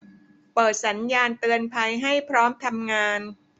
เปิดสัญญาณเตือนภัยให้พร้อมทำงาน